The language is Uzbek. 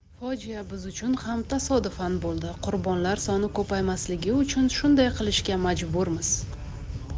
fojia biz uchun ham tasodifan bo'ldi qurbonlar soni ko'paymasligi uchun shunday qilishga majburmiz